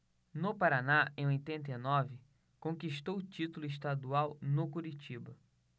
no paraná em oitenta e nove conquistou o título estadual no curitiba